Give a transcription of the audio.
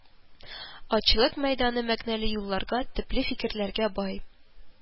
«ачлык мәйданы» мәгънәле юлларга, төпле фикерләргә бай